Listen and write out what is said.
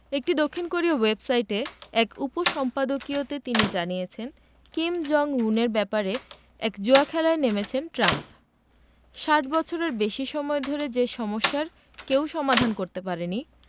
একটি দক্ষিণ কোরীয় ওয়েবসাইটে এক উপসম্পাদকীয়তে তিনি জানিয়েছেন কিম জং উনের ব্যাপারে এক জুয়া খেলায় নেমেছেন ট্রাম্প ৬০ বছরের বেশি সময় ধরে যে সমস্যার কেউ সমাধান করতে পারেনি